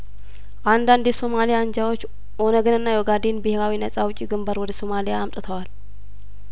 አንዳንድ የሶማሊያ አንጃዎች ኦነግንና የኦጋዴን ብሄራዊ ነጻ አውጭ ግንባር ወደ ሶማሊያ አምጥተዋል